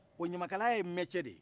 wa ɲamakalaya ye mɛtiye de ye